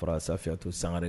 Safiatu sangare